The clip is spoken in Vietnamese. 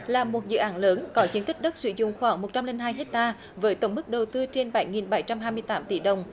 là một dự án lớn có diện tích đất sử dụng khoảng một trăm linh hai héc ta với tổng mức đầu tư trên bảy nghìn bảy trăm hai mươi tám tỷ đồng